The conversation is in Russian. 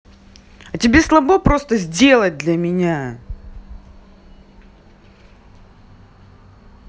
а тебе слабо просто сделать для меня